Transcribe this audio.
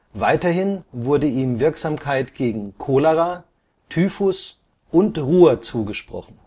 Weiterhin wurde ihm Wirksamkeit gegen Cholera, Typhus und Ruhr zugesprochen